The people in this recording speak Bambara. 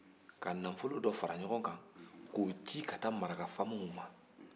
ka nafolo dɔ faraɲɔgɔn kan k'o ci ka taa marakafaamaw ma